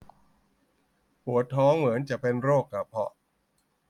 ปวดท้องเหมือนจะเป็นโรคกระเพาะ